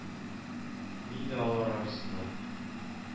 Мин дә алар арасында